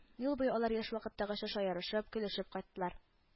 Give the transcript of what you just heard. Л буе алар яшь вакыттагыча шаярышып, көлешеп кайттыларм